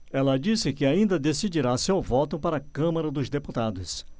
ela disse que ainda decidirá seu voto para a câmara dos deputados